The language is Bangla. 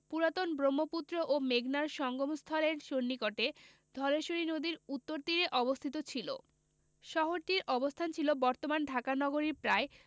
পুরাতন ব্রহ্মপুত্র ও মেঘনার সঙ্গমস্থলের সন্নিকটে ধলেশ্বরী নদীর উত্তর তীরে অবস্থিত ছিল শহরটির অবস্থান ছিল বর্তমান ঢাকা নগরীর প্রায়